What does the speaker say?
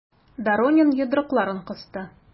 Доронин йодрыкларын кысты.